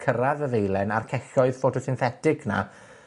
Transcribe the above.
cyrradd y ddeilen a'r celloedd photosynthetic 'na,